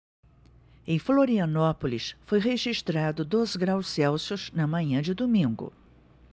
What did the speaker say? em florianópolis foi registrado dois graus celsius na manhã de domingo